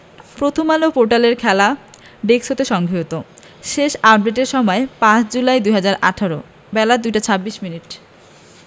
প্রথমআলো পোর্টালের খেলা ডেস্ক হতে সংগৃহীত শেষ আপডেটের সময় ৫ জুলাই ২০১৮ বেলা ২টা ২৬মিনিট